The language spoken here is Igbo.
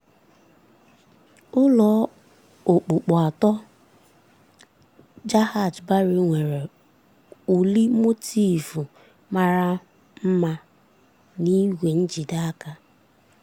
Ụlọ okpukpu atọ "Jahaj Bari" nwere uli motiifu mara mma n'ígwè njigide aka.